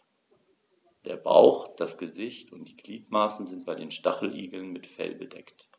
Der Bauch, das Gesicht und die Gliedmaßen sind bei den Stacheligeln mit Fell bedeckt.